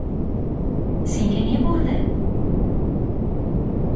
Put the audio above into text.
senga ne bo'ldi